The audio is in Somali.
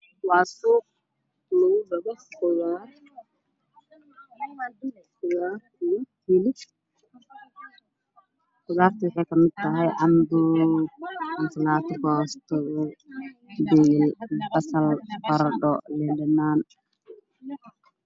Waa suuq lagu gado qudaar, qudaartu hilib qudaarta waxy ka mid tahay cambo ansalaato kosto bagal basal barandho liin dhanaan